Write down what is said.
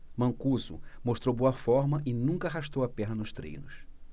mancuso mostrou boa forma e nunca arrastou a perna nos treinos